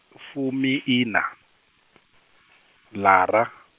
fumiiṋa, lara.